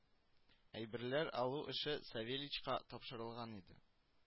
Әйберләр алу эше Савельичка тапшырылган иде